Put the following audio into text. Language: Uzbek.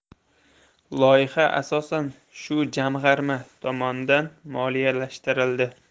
loyiha asosan shu jamg'arma tomonidan moliyalashtirildi